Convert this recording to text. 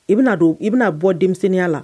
I bɛna don i bɛna bɔ denmisɛnninya la